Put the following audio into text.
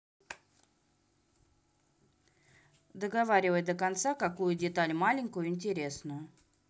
договаривай до конца какую деталь маленькую интересную